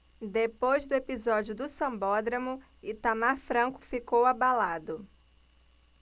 depois do episódio do sambódromo itamar franco ficou abalado